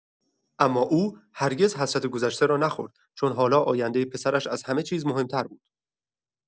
اما او هرگز حسرت گذشته را نخورد، چون حالا آیندۀ پسرش از همه چیز مهم‌تر بود.